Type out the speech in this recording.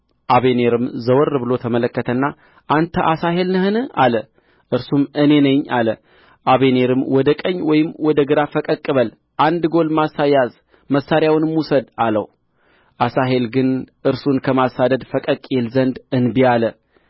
አበኔርም ዘወር ብሎ ተመለከተና አንተ አሣሄል ነህን አለ እርሱም እኔ ነኝ አለ አበኔርም ወደ ቀኝ ወይም ወደ ግራ ፈቀቅ በል አንድ ጕልማሳ ያዝ መሣርያውንም ውሰድ አለው አሣሄል ግን እርሱን ከማሳደድ ፈቀቅ ይል ዘንድ እንቢ አለ